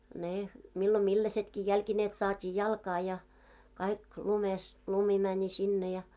ne milloin millaisetkin jalkineet saatiin jalkaa ja kaikki lumessa lumi meni sinne ja